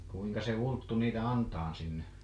kuinka se ulettui niitä antamaan sinne